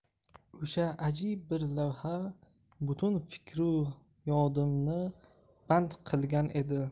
o'sha ajib bir lavha butun fikru yodimni band qilgan edi